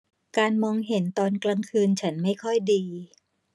การมองเห็นตอนกลางคืนฉันไม่ค่อยดี